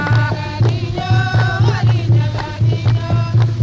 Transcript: sanunɛgɛnin yo warinɛgɛnin yo